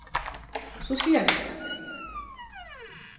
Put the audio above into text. so siga vit tað